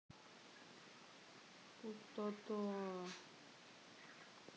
пустота